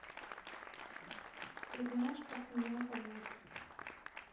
ты знаешь как меня зовут